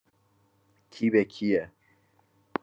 کی به کیه